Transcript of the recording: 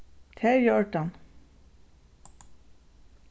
tað er í ordan